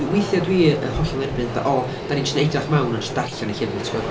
Weithiau dwi yn hollol yn erbyn fatha "o dan ni jyst yn edrych i mewn a jyst darllen y llyfr" ti'n gwybod.